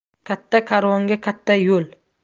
katta karvonga katta yo'l